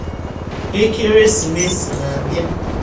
Ekeresimesi na-abịa.